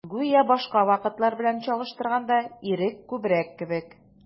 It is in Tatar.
Гүя башка вакытлар белән чагыштырганда, ирек күбрәк кебек.